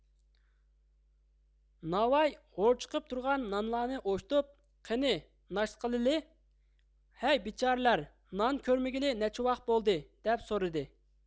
ناۋاي ھور چىقىپ تۇرغان نانلارنى ئوشتۇپ قېنى ناشتا قىلىلى ھەي بىچارىلەر نان كۆرمىگىلى نەچچە ۋاخ بولدى دەپ سورىدى